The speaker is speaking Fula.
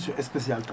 * spéciale tan